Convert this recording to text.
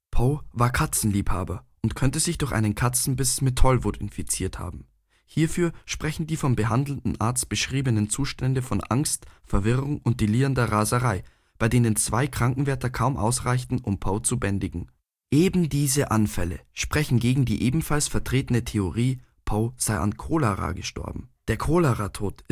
Poe war Katzenliebhaber und könnte sich durch einen Katzenbiss mit Tollwut infiziert haben. Hierfür sprechen die vom behandelnden Arzt beschriebenen Zustände von Angst, Verwirrung und delirierender Raserei, bei denen zwei Krankenwärter kaum ausreichten, um Poe zu bändigen. Eben diese Anfälle sprechen gegen die ebenfalls vertretene Theorie, Poe sei an Cholera gestorben. Der Choleratod